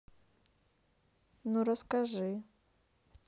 ну расскажи